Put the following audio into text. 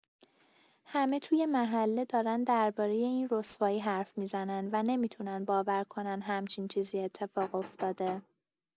همه توی محله دارن درباره این رسوایی حرف می‌زنن و نمی‌تونن باور کنن همچین چیزی اتفاق افتاده.